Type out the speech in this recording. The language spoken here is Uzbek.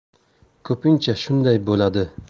ko'pincha shunday bo'ladi